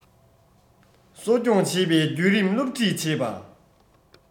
གསོ སྐྱོང བྱེད པའི བརྒྱུད རིམ སློབ ཁྲིད བྱེད པ